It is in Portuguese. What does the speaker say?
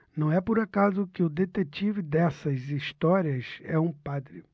não é por acaso que o detetive dessas histórias é um padre